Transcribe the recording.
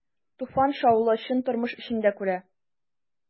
Туфан шаулы, чын тормыш эчендә күрә.